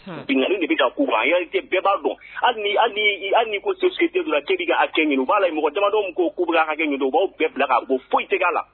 Bili de bɛ ka kuba an bɛɛ b'a dɔn hali hali ni ko sosijkura'bi a cɛ b'a la mɔgɔ damadenw ko kuuba hakɛ ninnu bbaw bɛɛ bila k ko foyi tɛ a la